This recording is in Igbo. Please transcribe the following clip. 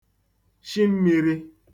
shi mmīrī